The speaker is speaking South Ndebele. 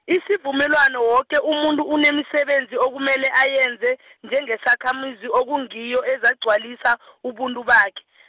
isivumelwano, woke umuntu unemisebenzi okumele ayenze, njengesakhamuzi, okungiyo ezagcwalisa, ubuntu bakhe .